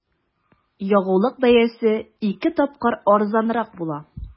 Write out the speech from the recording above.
Ягулык бәясе ике тапкыр арзанрак була.